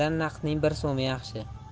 naqdning bir so'mi yaxshi